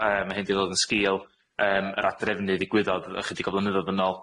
Yy ma' hyn 'di dod yn sgil yym yr ad-drefnu ddigwyddodd ychydig o flynyddodd yn ôl.